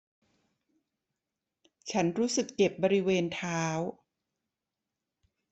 ฉันรู้สึกเจ็บบริเวณเท้า